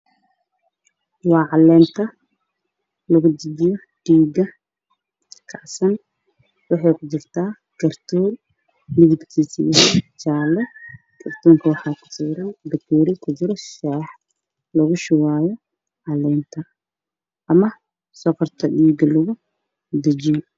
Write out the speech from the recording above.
Waa caleenta lagu dajiyo dhiiga kacsan waxay ku jirtaa kartoon midab kiisa yahay jaalo kartoon ka waxaa ku sawiran bikewri ku jiro shaax oo lagu daraayo caleenta ama sonkorta dhiiga lagu dajiyo